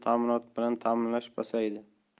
ta'minot bilan ta'minlash pasaydi